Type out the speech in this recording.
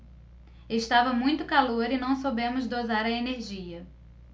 estava muito calor e não soubemos dosar a energia